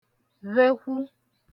vhekwu